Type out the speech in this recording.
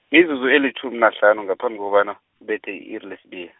mizuzu elitjhumi nahlanu ngaphambi kobana, kubethe i-iri lesibi-.